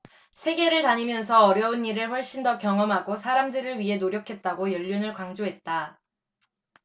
세계를 다니면서 어려운 일을 훨씬 더 경험하고 사람들을 위해 노력했다고 연륜을 강조했다